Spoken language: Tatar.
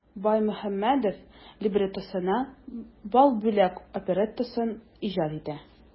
Баймөхәммәдев либреттосына "Балбулак" опереттасын иҗат итә.